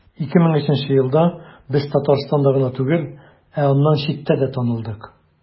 2003 елда без татарстанда гына түгел, ә аннан читтә дә танылдык.